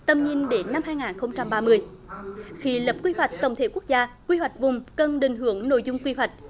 tầm nhìn đến năm hai ngàn không trăm ba mươi khi lập quy hoạch tổng thể quốc gia quy hoạch vùng cần định hướng nội dung quy hoạch